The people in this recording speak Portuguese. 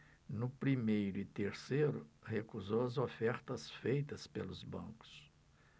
no primeiro e terceiro recusou as ofertas feitas pelos bancos